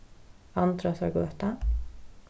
andrasargøta